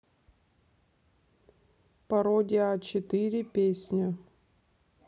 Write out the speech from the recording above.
пародия а четыре песня